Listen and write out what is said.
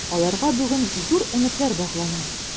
Аларга бүген зур өметләр баглана.